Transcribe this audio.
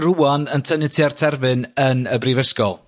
rŵan yn tynnu tua'r terfyn yn y brifysgol.